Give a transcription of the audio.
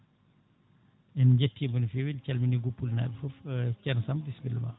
en jettimo no fewi en calmini guppuli naaɓe foof ceerno Samba bissimilla ma